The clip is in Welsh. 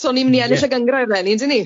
So ni'n mynd i ennill y gynghrair 'leni ydyn ni?